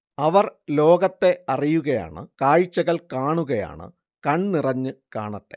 അവർ ലോകത്തെ അറിയുകയാണ് കാഴ്ചകൾ കാണുകയാണ് കൺനിറഞ്ഞ് കാണട്ടെ